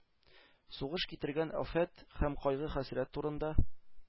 Сугыш китергән афәт һәм кайгы-хәсрәт турында